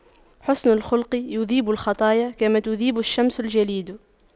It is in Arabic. حُسْنُ الخلق يذيب الخطايا كما تذيب الشمس الجليد